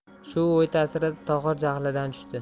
shu o'y tasirida tohir jahlidan tushdi